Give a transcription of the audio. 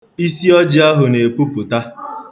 Isiọjị ahụ na-epupụta.